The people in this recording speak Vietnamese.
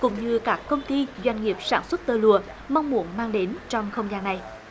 cũng như các công ty doanh nghiệp sản xuất tơ lụa mong muốn mang đến trong không gian này